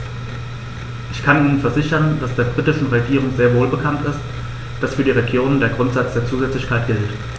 Ich kann Ihnen versichern, dass der britischen Regierung sehr wohl bekannt ist, dass für die Regionen der Grundsatz der Zusätzlichkeit gilt.